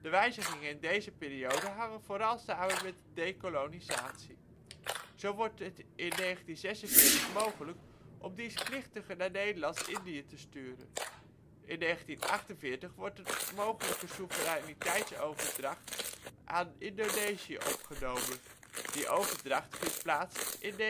wijzigingen in deze periode hangen vooral samen met dekolonisatie. Zo wordt het in 1946 mogelijk om dienstplichtigen naar Nederlands-Indië te sturen. In 1948 wordt de mogelijke soevereiniteitsoverdracht aan Indonesië opgenomen (die overdracht vindt plaats in 1949